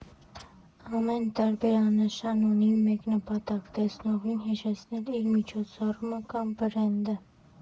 Ամեն տարբերանշան ունի մեկ նպատակ՝ տեսնողին հիշեցնել իր միջոցառումը կամ բրենդը։